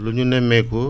lu ñu nemmeeku